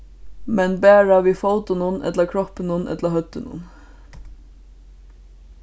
men bara við fótunum ella kroppinum ella høvdinum